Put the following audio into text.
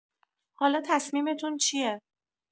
حالا تصمیمتون چیه؟